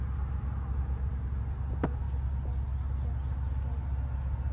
купаться купаться купаться купаться